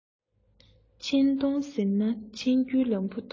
ཕྱིན གཏོང ཟེར ན ཕྱིན རྒྱུའི ལམ བུ ཐོང